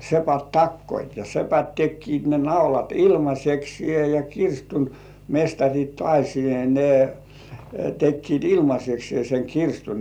sepät takoivat ja sepät tekivät ne naulat ilmaiseksi ja kirstun mestarit taas niin ne tekivät ilmaiseksi sen kirstun